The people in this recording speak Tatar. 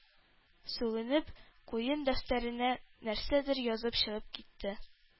Сүгенеп, куен дәфтәренә нәрсәдер язып чыгып китте.